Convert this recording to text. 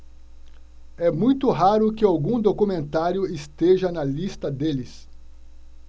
é muito raro que algum documentário esteja na lista deles